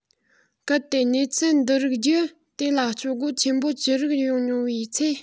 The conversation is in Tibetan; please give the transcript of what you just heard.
གལ ཏེ གནས ཚུལ འདི རིགས རྒྱུད དེ ལ སྤྱོད སྒོ ཆེན པོ ཅི རིགས ཡོད མྱོང བའི ཚེ